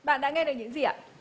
bạn đã nghe được những gì ạ